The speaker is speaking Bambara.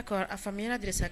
A a famu garisa